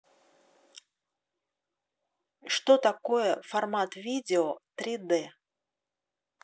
что такое формат видео три д